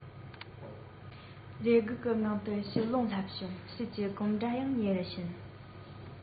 རེ སྒུག གི ངང དུ དཔྱིད རླུང སླེབས བྱུང དཔྱིད ཀྱི གོམ སྒྲ ཡང ཉེ རུ ཕྱིན